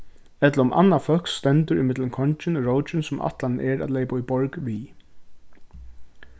ella um annað fólk stendur ímillum kongin og rókin sum ætlanin er at leypa í borg við